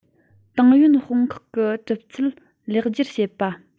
ཏང ཡོན དཔུང ཁག གི གྲུབ ཚུལ ལེགས འགྱུར བྱེད པ